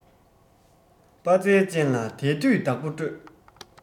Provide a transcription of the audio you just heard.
དཔའ རྩལ ཅན ལ དལ དུས བདག པོ སྤྲོད